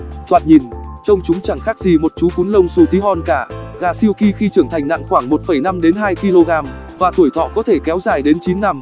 thoạt nhìn trông chúng chẳng khác gì một chú cún lông xù tí hon cả gà silkie khi trưởng thành nặng khoảng kg và tuổi thọ có thể kéo dài đến năm